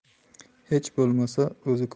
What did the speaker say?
hech bo'lmasa o'zi